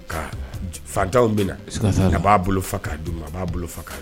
Ka fantanw bɛna na a b'a bolo k'a dun a b'a bolo k'a